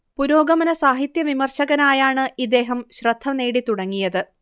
പുരോഗമന സാഹിത്യവിമർശകനായാണ് ഇദ്ദേഹം ശ്രദ്ധ നേടിത്തുടങ്ങിയത്